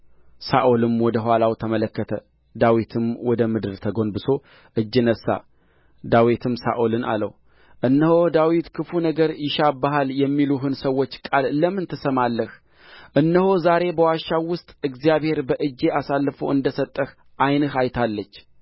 ሳኦልም ወደ ኋላው ተመለከተ ዳዊትም ወደ ምድር ተጐንብሶ እጅ ነሣ ዳዊትም ሳኦልን አለው እነሆ ዳዊት ክፉ ነገር ይሻብሃል የሚሉህን ሰዎች ቃል ለምን ትሰማለህ እነሆ ዛሬ በዋሻው ውስጥ እግዚአብሔር በእጄ አሳልፎ እንደ ሰጠህ ዓይንህ አይታለች